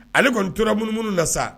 Ale kɔni tora mumu munu na sa!